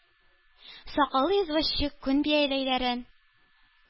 Сакаллы извозчик, күн бияләйләрен